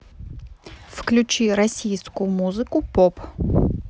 включи российскую музыку поп